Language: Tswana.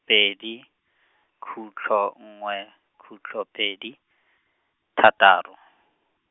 pedi , khutlo, nngwe, khutlo pedi, thataro.